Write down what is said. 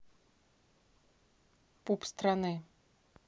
пуп страны